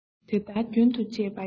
དེ ལྟར རྒྱུན དུ སྤྱད པ ཡིས